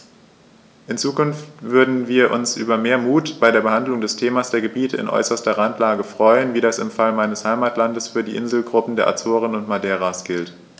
In Zukunft würden wir uns über mehr Mut bei der Behandlung des Themas der Gebiete in äußerster Randlage freuen, wie das im Fall meines Heimatlandes für die Inselgruppen der Azoren und Madeiras gilt.